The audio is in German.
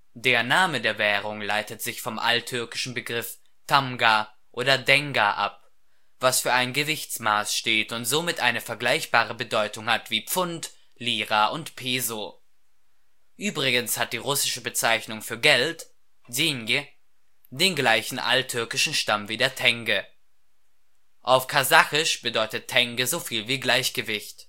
Der Name der Währung leitet sich vom alttürkischen Begriff „ Tamga “oder „ Denga “ab, was für ein Gewichtsmaß steht und somit eine vergleichbare Bedeutung hat wie Pfund, Lira und Peso. Übrigens hat die russische Bezeichnung für ‚ Geld ‘Деньги (Dengi) den gleichen alttürkischen Stamm wie der Tenge. Auf Kasachisch bedeutet „ Tenge “so viel wie „ Gleichgewicht